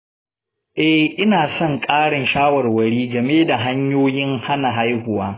eh, ina son ƙarin shawarwari game da hanyoyin hana haihuwa.